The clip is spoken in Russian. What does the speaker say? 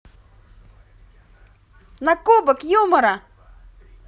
на кубок юмора